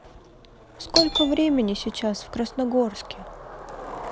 сколько времени сейчас в красногорске